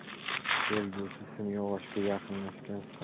kelgusi simyog'ochga yaqinlashgan